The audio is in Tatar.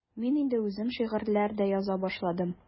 Мин инде үзем шигырьләр дә яза башладым.